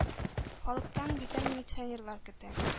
Халыктан битәр милиционерлар көтә.